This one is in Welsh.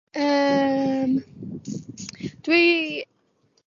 Yym